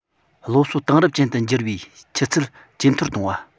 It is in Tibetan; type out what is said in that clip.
སློབ གསོ དེང རབས ཅན དུ འགྱུར བའི ཆུ ཚད ཇེ མཐོར གཏོང བ